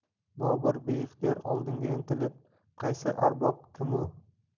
bobur beixtiyor oldinga intilib qaysi arbob kim u